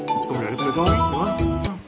thế cũng được rồi đúng không